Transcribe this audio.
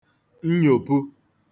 nnyòpu